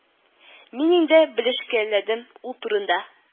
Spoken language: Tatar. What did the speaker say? Мин инде белешкәләдем ул турыда